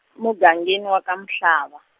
emugangeni wa ka Mhlava.